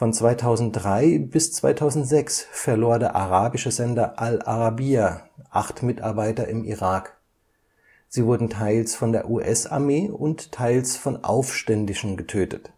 2003 bis 2006 verlor der arabische Sender al-Arabija acht Mitarbeiter im Irak; sie wurden teils von der US-Armee und teils von Aufständischen getötet